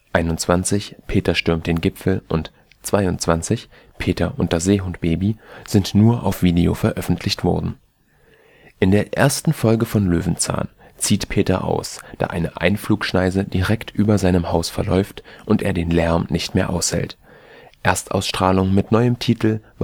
21 Peter stürmt den Gipfel und 22 Peter und das Seehundbaby) sind nur auf Video veröffentlicht worden. In der ersten Folge von Löwenzahn zieht Peter aus, da eine Einflugschneise direkt über seinem Haus verläuft und er den Lärm nicht mehr aushält. Erstausstrahlung mit neuem Titel